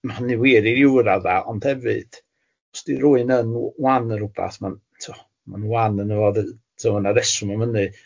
Ma hynny'n wir i ryw radda ond hefyd os ydy rwun yn wan yn rwbath ma'n tibod ma'n wan ynddo fo tibod ma na reswm am hyny. O